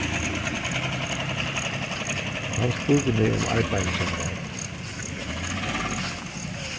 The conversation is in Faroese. hann spurdi meg um arbeiði hjá mær